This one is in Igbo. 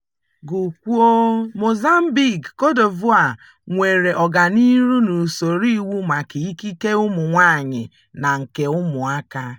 Gụkwuo: Mozambique, Cote d'Ivoire nwere ọganihu n'usoro iwu maka ikike ụmụ nwaanyị na nke ụmụaka